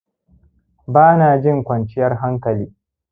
banajin kwanciyar hankali